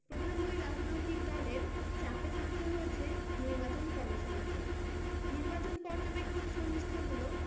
প্রধান দুই রাজনৈতিক দলের চাপে থাকতে হয়েছে নির্বাচন কমিশনকে নির্বাচন পর্যবেক্ষক সংস্থাগুলো